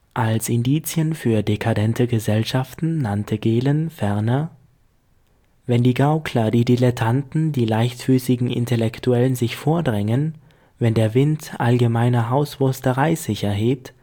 Als Indizien für dekadente Gesellschaften nannte Gehlen ferner: „ Wenn die Gaukler, Dilettanten, die leichtfüßigen Intellektuellen sich vordrängen, wenn der Wind allgemeiner Hanswursterei sich erhebt